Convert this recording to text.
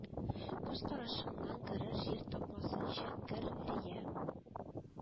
Күз карашыңнан керер җир тапмасынчы кер, рия